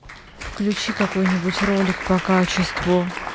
включи какой нибудь ролик по качеству